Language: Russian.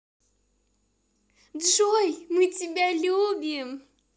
джой мы тебя любим